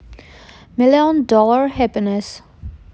million dollar happiness